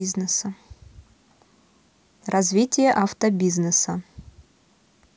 развитие автобизнеса